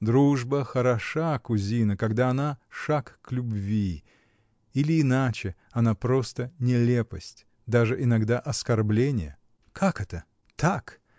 — Дружба хороша, кузина, когда она — шаг к любви, или, иначе — она просто нелепость, даже иногда оскорбление. — Как это? — Так.